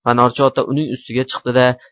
fanorchi ota uning ustiga chiqdi da